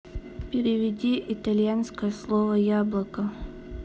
переведи на итальянский слово яблоко